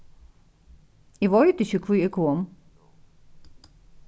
eg veit ikki hví eg kom